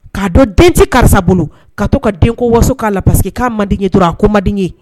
K'a dɔn den tɛ karisa bolo ka to ka den waso k'a la parce que k'a mandeden ye to a ko maden ye